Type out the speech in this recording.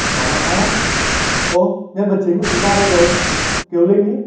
chào năm ét ô nhân vật chính của chúng ta đâu rồi kiều linh ý